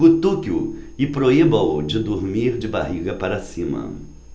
cutuque-o e proíba-o de dormir de barriga para cima